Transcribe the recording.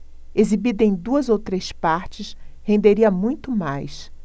exibida em duas ou três partes renderia muito mais